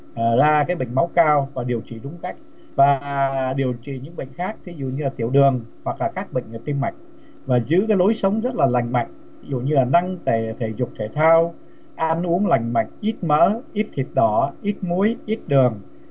ra cái mạch máu cao và điều trị đúng cách và điều trị những bệnh khác thí dụ như tiểu đường hoặc là các bệnh về tim mạch và giữ cái lối sống rất là lành mạnh ví dụ như năng thể dục thể thao ăn uống lành mạnh ít mỡ ít thịt đỏ ít muối ít đường